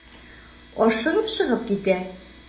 Ашыгып чыгып китә.